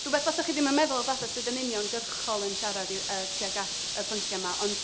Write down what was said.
Rywbeth fasech chi ddim yn meddwl falle sydd yn uniongyrchol yn siarad i'r yy tuag at y pynciau 'ma.